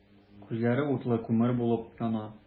Күзләре утлы күмер булып яна.